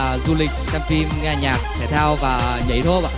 ờ du lịch xem phim nghe nhạc thể thao và nhảy híp hốp ạ